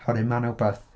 Oherwydd mae 'na rywbeth...